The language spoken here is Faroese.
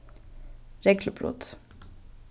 reglubrot